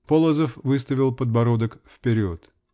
Полозов выставил подбородок вперед.